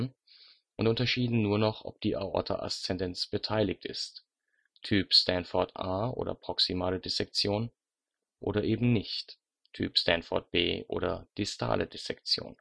und unterschieden nur noch, ob die Aorta ascendens beteiligt ist (Typ Stanford A oder proximale Dissektion) oder nicht (Typ Stanford B oder distale Dissektion